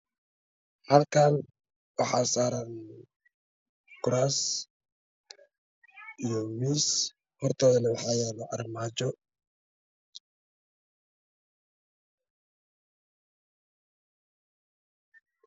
Halkaan waxaa saaran kuraas iyo miis hortoodana waxaa yaallo armaajo